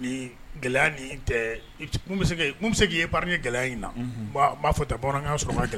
Ni gɛlɛya bɛ se k'i ye baara gɛlɛya in na b'a fɔ tɛ bamanan sɔrɔ gɛlɛn